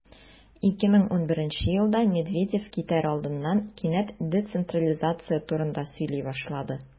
2011 елда медведев китәр алдыннан кинәт децентрализация турында сөйли башлады.